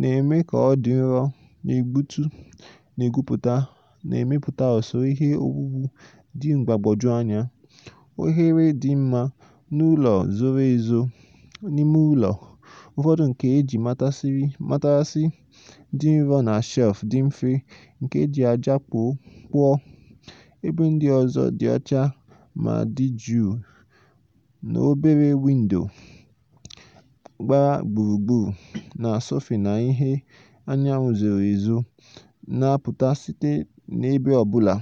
na-eme ka ọ dị nro, na-egbutu, na-egwupụta, na-emepụta usoro ihe owuwu dị mgbagwoju anya, oghere dị mma na ụlọ zoro ezo n'ime ụlọ, ụfọdụ nke e ji matarasị dị nro na shelf dị mfe nke e ji ájá kpụọ, ebe ndị ọzọ dị ọcha ma dị jụụ na obere windo gbara gburugburu na-asọfe na ìhè anyanwụ zoro ezo na-apụta site na ebe ọ bụla.